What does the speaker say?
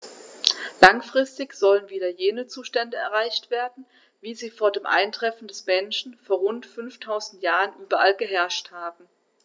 Langfristig sollen wieder jene Zustände erreicht werden, wie sie vor dem Eintreffen des Menschen vor rund 5000 Jahren überall geherrscht haben.